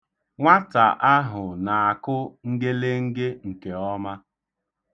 Nwata ahụ na-akụ ngelenge nke ọma.